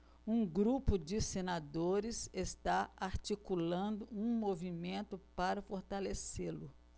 um grupo de senadores está articulando um movimento para fortalecê-lo